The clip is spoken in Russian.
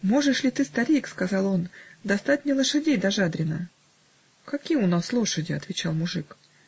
"Можешь ли ты, старик, -- сказал он, -- достать мне лошадей до Жадрина?" -- "Каки у нас лошади", -- отвечал мужик.